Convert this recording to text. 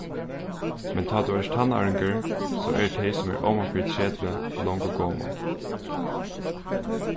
men tá tú ert tannáringur so eru tey sum eru omanfyri tretivu longu gomul